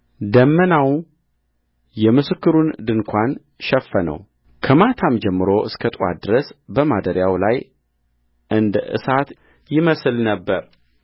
ደመናው የምስክሩን ድንኳን ሸፈነው ከማታም ጀምሮ እስከ ጥዋት ድረስ በማደሪያው ላይ እንደ እሳት ይመስል ነበር